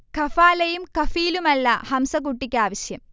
ഖഫാലയും ഖഫീലുമല്ല ഹംസകുട്ടിക്കാവിശ്യം